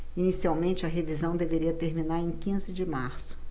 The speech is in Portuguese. inicialmente a revisão deveria terminar em quinze de março